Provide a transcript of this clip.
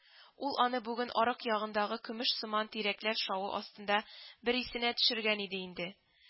Ул аны бүген арык янындагыкөмешсыман тирәкләр шавы астында бер исенә төшергән иде инде